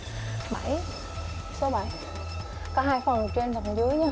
bẩy số bẩy cả hai phòng trên và phòng dưới nha